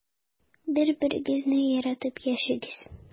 Бер-берегезне яратып яшәгез.